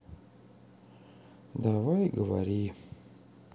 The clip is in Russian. давай говори